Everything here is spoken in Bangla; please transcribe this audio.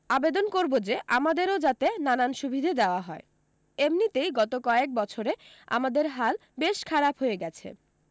আবেদন করব যে আমাদেরও যাতে নানান সুবিধে দেওয়া হয় এমনিতেই গত কয়েকবছরে আমাদের হাল বেশ খারাপ হয়ে গেছে